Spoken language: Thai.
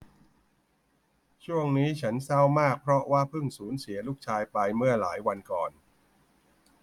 ช่วงนี้ฉันเศร้ามากเพราะว่าพึ่งสูญเสียลูกชายไปเมื่อหลายวันก่อน